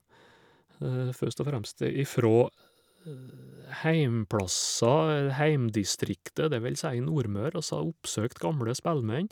Først og fremst ifra heimplasser, heimdistriktet, det vil si Nordmøre, oss har oppsøkt gamle spellmenn.